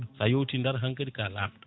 sa yawti Ndar hankkadi ka laɓɗo